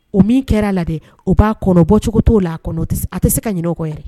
O min kɛra la de o b'a kɔnɔ bɔ cogo to o la a a tɛ se ka ɲininɔgɔ ye